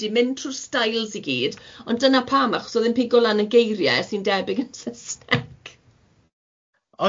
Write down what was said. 'di mynd trwy'r stails i gyd, ond dyna pam, achos o'dd e'n pigo lan yn geirie sy'n debyg yn Sysneg.